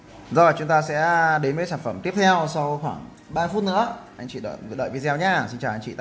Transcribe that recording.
chúng ta đến với sản phẩm tiếp theo sau phút nữa anh chị đợi video nhé xin chào anh chị